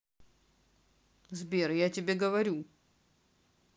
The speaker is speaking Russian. сбер я тебе говорю